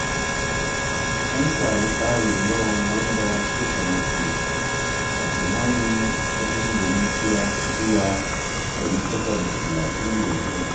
An sami ƙarin yawan wanda suka mutu a tsunami ta Indonesiya zuwa 832